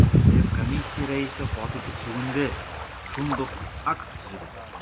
Ревкомиссия рәисе каты итеп сүгенде, шундук акт төзеде.